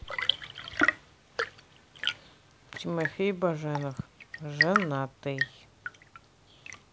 тимофей баженов женатый